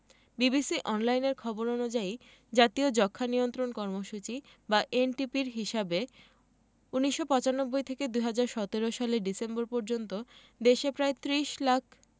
BBC অনলাইনের খবর অনুযায়ী জাতীয় যক্ষ্মা নিয়ন্ত্রণ কর্মসূচি বা এনটিপির হিসেবে ১৯৯৫ থেকে ২০১৭ সালের ডিসেম্বর পর্যন্ত দেশে প্রায় ৩০ লাখ